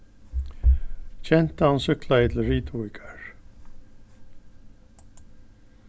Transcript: gentan súkklaði til rituvíkar